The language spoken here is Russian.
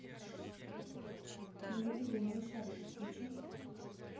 на ютубе малышарики включи